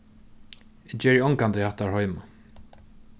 eg geri ongantíð hatta heima